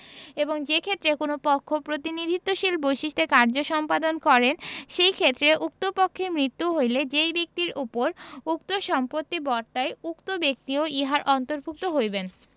এবং যেক্ষেত্রে কোন পক্ষ প্রতিনিধিত্বশীল বৈশিষ্ট্যে কার্য সম্পাদন করেন সেই ক্ষেত্রে উক্ত পক্ষের মৃত্যু হইলে যেই ব্যক্তির উপর উক্ত সম্পত্তি বর্তায় উক্ত ব্যক্তিও ইহার অন্তর্ভুক্ত হইবেন